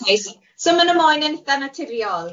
O ok, so ma' nhw moyn yn itha naturiol?